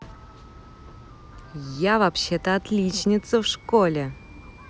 я вообще то отличница в школе